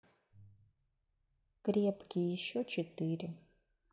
крепкий еще четыре